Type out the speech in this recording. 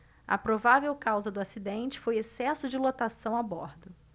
a provável causa do acidente foi excesso de lotação a bordo